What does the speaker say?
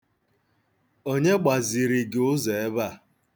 Onye gbaziri gị ụzọ ebe a.